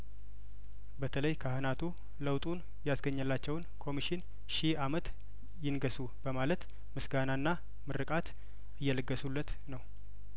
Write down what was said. በተለይ ካህናቱ ለውጡን ያስገኘላቸውን ኮሚሽን ሺ አመት ይንገሱ በማለት ምስጋናና ምርቃት እየለገሱለት ነው